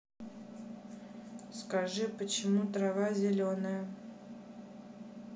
скажи почему трава зеленая